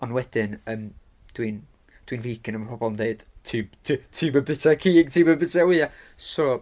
Ond wedyn ymm dwi'n dwi'n figan a ma' pobl yn deud "ti'm ti'm ti'm yn byta cig, ti'm yn byta wyau" so...